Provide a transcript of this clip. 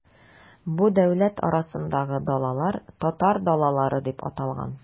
Бу дәүләт арасындагы далалар, татар далалары дип аталган.